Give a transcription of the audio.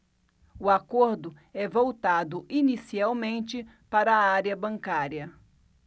o acordo é voltado inicialmente para a área bancária